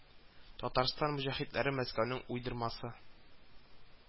Татарстан мөҗаһидләре Мәскәүнең уйдырмасы